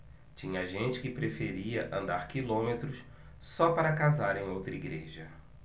tinha gente que preferia andar quilômetros só para casar em outra igreja